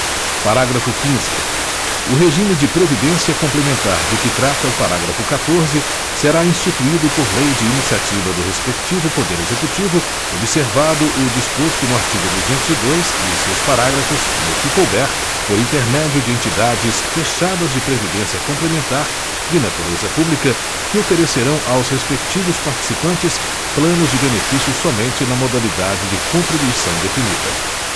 parágrafo quinze o regime de previdência complementar de que trata o parágrafo quatorze será instituído por lei de iniciativa do respectivo poder executivo observado o disposto no artigo duzentos e dois e seus parágrafos no que couber por intermédio de entidades fechadas de previdência complementar de natureza pública que oferecerão aos respectivos participantes planos de benefícios somente na modalidade de contribuição definida